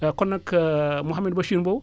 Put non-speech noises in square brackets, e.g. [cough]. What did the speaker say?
kon nag [hesitation] Mouhamed Bachir Mbow